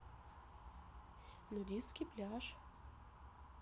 нудистский пляж